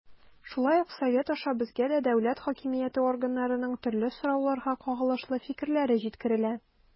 Шулай ук Совет аша безгә дә дәүләт хакимияте органнарының төрле сорауларга кагылышлы фикерләре җиткерелә.